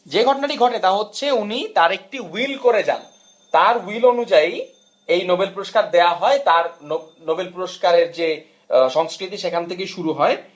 যে ঘটনাটি ঘটে তা হচ্ছে উনি তার একটি উইল করে যায় তার উইল অনুযায়ী এই নোবেল পুরস্কার দেয়া হয় তার নোবেল পুরস্কারের যে সংস্কৃতি সেখান থেকেই শুরু হয়